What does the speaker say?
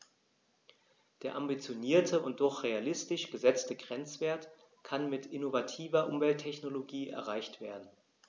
Der ambitionierte und doch realistisch gesetzte Grenzwert kann mit innovativer Umwelttechnologie erreicht werden.